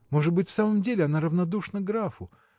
может быть, в самом деле она равнодушна к графу.